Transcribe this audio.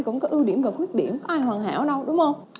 cũng có ưu điểm và khuyết điểm có ai hoàn hảo đâu đúng không